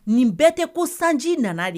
Nin bɛɛ tɛ ko sanji nana de